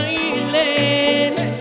lên